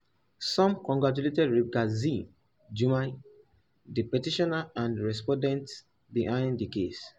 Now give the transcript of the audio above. Some congratulated Rebeca Z. Gyumi, the petitioner and respondent behind this case.